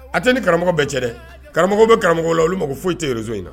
A tɛ ni karamɔgɔ bɛɛ cɛ dɛ karamɔgɔ bɛ karamɔgɔ la olu mako ko foyi tɛso in na